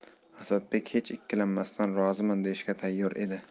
asadbek hech ikkilanmasdan roziman deyishga tayyor edi